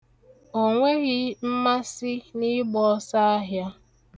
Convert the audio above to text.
O nweghị mmasị n'ịgba ọsọahịa